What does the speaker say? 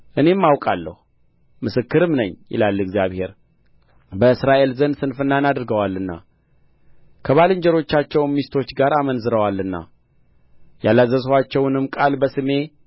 እኔም አውቃለሁ ምስክርም ነኝ ይላል እግዚአብሔር በእስራኤል ዘንድ ስንፍና አድርገዋልና ከባልንጀሮቻቸውም ሚስቶች ጋር አመንዝረዋልና ያላዘዝኋቸውንም ቃል በስሜ